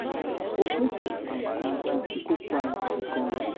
Ó pèsè ọ̀pọ̀ ǹkan jú kíkopa nìkan lọ."